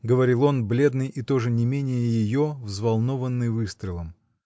— говорил он, бледный и тоже не менее ее взволнованный выстрелом.